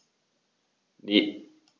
Ne.